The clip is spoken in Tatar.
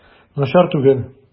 Начар түгел.